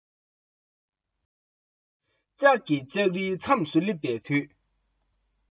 ལྕགས ཀྱི ལྕགས རིའི མཚམས སུ སླེབས པའི དུས